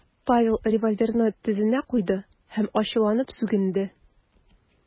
Павел револьверны тезенә куйды һәм ачуланып сүгенде .